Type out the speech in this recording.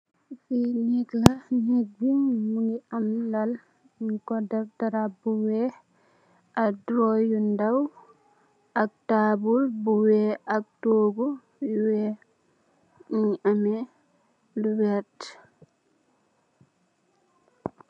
Fii nehgg la, nehgg bii mungy am lal, njung kor deff darap bu wekh, ak draw yu ndaw, ak taabul bu wekh, ak tohgu yu wekh, mungy ameh lu wertue.